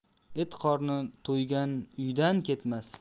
it qorni to'ygan uydan ketmas